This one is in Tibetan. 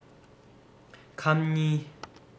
ཁམ གཉིས